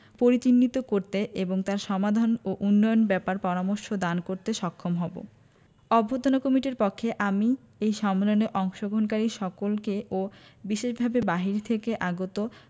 পরিচিহ্নিত করতে এবং তার সমাধান ও উন্নয়ন ব্যাপার পরামর্শ দান করতে সক্ষম হবো অভ্যর্থনা কমিটির পক্ষে আমি এই সম্মেলনে অংশগহণকারী সকলকে ও বিশেষভাবে বাইরে থেকে আগত